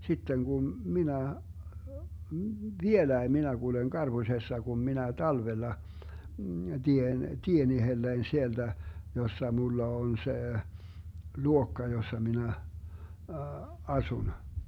sitten kun minä vieläkin minä kuljen karpusessa kun minä talvella teen tien itselleni sieltä jossa minulla on se luokka jossa minä asun